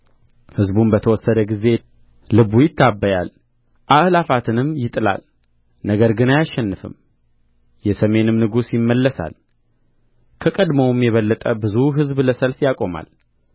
ሕዝቡም በተወሰደ ጊዜ ልቡ ይታበያል አእላፋትንም ይጥላል ነገር ግን አያሸንፍም የሰሜንም ንጉሥ ይመለሳል ከቀደመውም የበለጠ ብዙ ሕዝብ ለሰልፍ ያቆማል